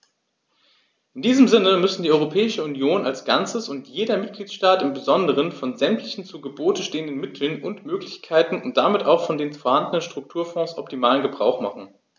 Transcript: In diesem Sinne müssen die Europäische Union als Ganzes und jeder Mitgliedstaat im Besonderen von sämtlichen zu Gebote stehenden Mitteln und Möglichkeiten und damit auch von den vorhandenen Strukturfonds optimalen Gebrauch machen.